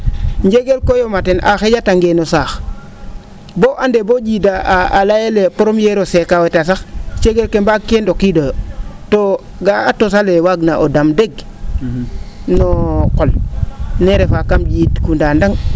njegel koy o maten a xe?atangee no saax bo o and ee boo ?iida layel le premiere seka wetaa sax cegel ke mbaag ke ndokiidooyo to ga'a a tos ale waag na o dam deg no qol ne refaa kam ?iid kundangndamg